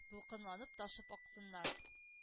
Дулкынланып ташып аксыннар,